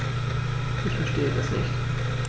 Ich verstehe das nicht.